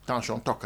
Taa sɔntɔ kɛ